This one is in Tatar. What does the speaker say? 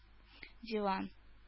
Диван